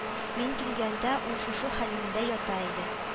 Мин килгәндә, ул шушы хәлеңдә ята иде